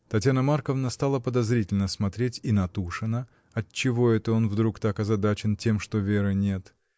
Татьяна Марковна стала подозрительно смотреть и на Тушина, отчего это он вдруг так озадачен тем, что Веры нет.